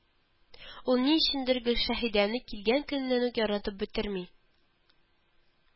Ул ни өчендер Гөлшәһидәне килгән көненнән үк яратып бетерми